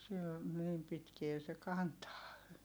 sillä niin pitkään se kantaa